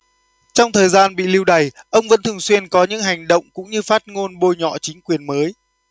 trong thời gian bị lưu đày ông vẫn thường xuyên có những hành động cũng như phát ngôn bôi nhọ chính quyền mới